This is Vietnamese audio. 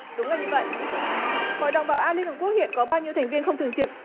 đúng là như vậy hội đồng bảo an liên hợp quốc hiện có bao nhiêu thành viên không thường trực